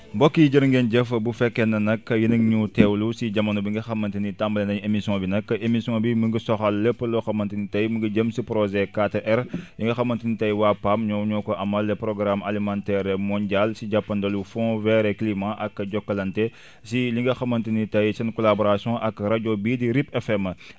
mbokk yi jërë ngeen jëf bu fekkee ne nag yéen a ngi ñu teewlu si jamono bi nga xamante ni tàmbali nañ émission bi nag émission bi mu ngi soxal lépp loo xamante ni tey mu ngi jëm si projet 4R mi nga xamante ni tey waa PAM ñoo ñoo ko amal programme alimentaire mondial si jàppandalu fond vers climat ak Jokalante si li nga xamante ni tey seen collaboration ak rajo bii di RIP FM